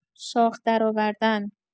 شاخ درآوردن